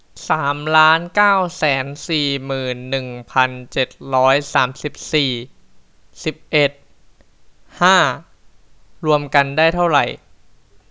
สามล้านเก้าแสนสี่หมื่นหนึ่งพันเจ็ดร้อยสามสิบสี่สิบเอ็ดห้ารวมกันได้เท่าไหร่